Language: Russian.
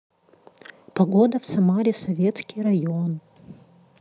погода в самаре советский район